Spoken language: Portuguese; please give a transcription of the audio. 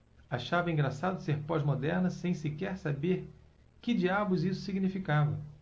achava engraçado ser pós-moderna sem saber que diabos isso significava